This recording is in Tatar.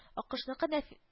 Аккошның нәф